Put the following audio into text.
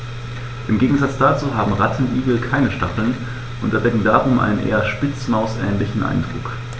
Im Gegensatz dazu haben Rattenigel keine Stacheln und erwecken darum einen eher Spitzmaus-ähnlichen Eindruck.